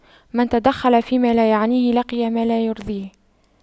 من تَدَخَّلَ فيما لا يعنيه لقي ما لا يرضيه